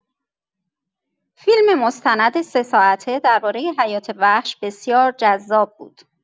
فیلم مستند سه‌ساعته درباره حیات‌وحش بسیار جذاب بود.